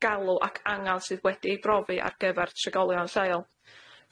galw ac angan sydd wedi'u brofi ar gyfer trigolion lleol.